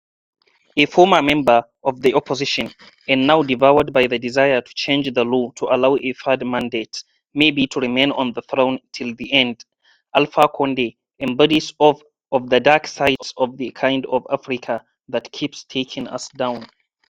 A former member of the opposition, and now devoured by the desire to change the law to allow a third mandate, maybe to remain on the throne till the end, Alpha Condé embodies of of the dark sides of the kind of Africa that keeps taking us down!